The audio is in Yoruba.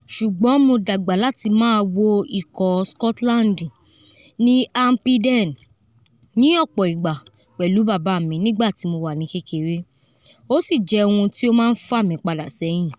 ’’Ṣùgbọ́n mo dàgbà láti máa wo ikọ̀ Scotland ní Hampden ní ọ̀pọ̀ ìgbà pẹ̀lú bàbá mi nígbà tí mo wà ní kékeré, ó sì jẹ́ ohun tí ó ma ń fà mí padà sẹ́hìn.